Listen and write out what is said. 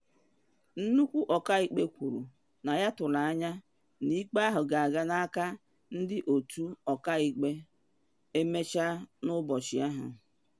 Nnukwu ọkaikpe kwuru na ya tụrụ anya na ikpe ahụ ga-aga n’aka ndị otu ọkaikpe emechaa n’ụbọchị ahụ.